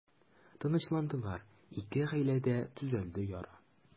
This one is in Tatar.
Тынычландылар, ике гаиләдә төзәлде яра.